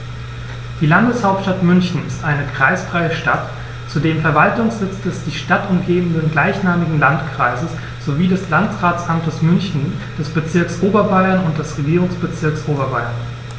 Die Landeshauptstadt München ist eine kreisfreie Stadt, zudem Verwaltungssitz des die Stadt umgebenden gleichnamigen Landkreises sowie des Landratsamtes München, des Bezirks Oberbayern und des Regierungsbezirks Oberbayern.